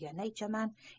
yana ichaman